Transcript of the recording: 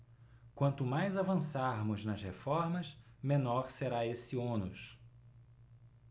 quanto mais avançarmos nas reformas menor será esse ônus